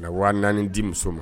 A waa naani di muso ma